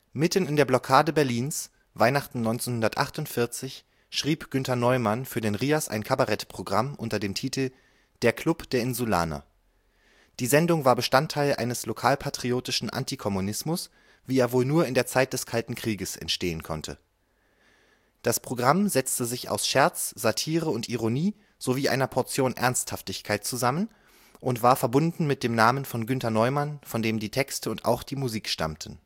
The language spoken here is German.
Mitten in der Blockade Berlins – Weihnachten 1948 – schrieb Günter Neumann für den RIAS ein Kabarettprogramm unter dem Titel „ Der Club der Insulaner “. Die Sendung war Bestandteil eines lokalpatriotischen Antikommunismus ', wie er wohl nur in der Zeit des Kalten Krieges entstehen konnte. Das Programm setzte sich aus Scherz, Satire und Ironie sowie einer Portion Ernsthaftigkeit zusammen und war verbunden mit dem Namen von Günter Neumann, von dem die Texte und auch die Musik stammten